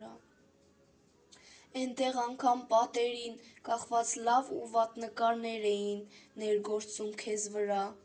Էնտեղ անգամ պատերին կախված լավ ու վատ նկարներն էին ներգործում քեզ վրա։